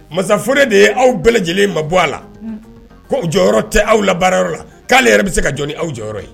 Masaf ne de ye aw bɛɛ lajɛlen ma bɔ a la jɔyɔrɔ tɛ aw la baarayɔrɔ la k'ale yɛrɛ bɛ se ka jɔn aw jɔyɔrɔ ye